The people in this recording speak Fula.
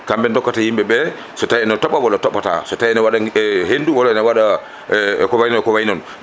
kamɓe dokkata yimɓeɓe so tawi ene tooɓa walla tooɓata so tawi ne waɗa hendu walla ne waɗa eko way noon eko way noon